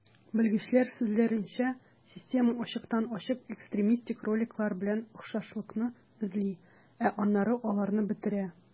Белгечләр сүзләренчә, система ачыктан-ачык экстремистик роликлар белән охшашлыкны эзли, ә аннары аларны бетерә.